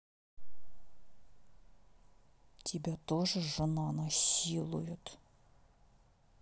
тебя тоже жена насилует